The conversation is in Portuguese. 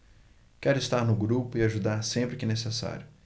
quero estar no grupo e ajudar sempre que necessário